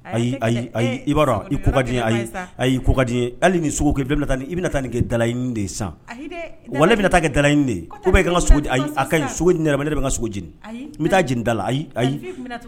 Ayi ayi ayi i'a i ko kadi ayi ayi idi hali ni sogo taa i bɛna taa nin kɛ dalayi de ye san wala ne bɛna taa kɛ dala in de ko ka sogo yɛrɛ ma ne bɛ n ka sogo n bɛ taa j dala la ayi ayi